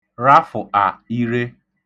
rafụ̀tà ire